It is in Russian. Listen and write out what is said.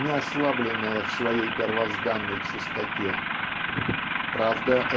не ослабленное в своей первозданной чистоте. Правда